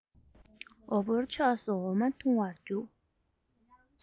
འོ ཕོར ཕྱོགས སུ འོ མ བཏུང བར བརྒྱུགས